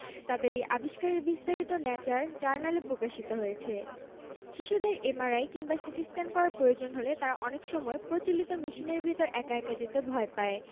প্রচারে আসার পর সত্যিই দর্শকরা ভালোভাবে নিচ্ছেন নাটকগুলো আশাকরি শেষ পর্যন্ত গল্পের ধারাবাহিকতা থাকবে এ নাটকের মাধ্যমেই এবারই প্রথম এক ধারাবাহিকে একসঙ্গে অভিনয় করছেন মোশাররফ করিম